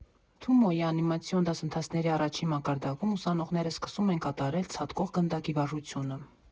Թումոյի անիմացիոն դասընթացների առաջին մակարդակում ուսանողները սկսում են կատարել ցատկող գնդակի վարժությունը։